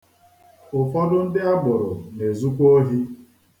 Ụfọdụ ndị agboro na-ezukwa ohi.